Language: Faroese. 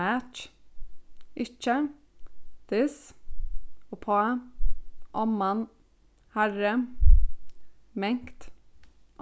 match ikki this uppá omman harri mangt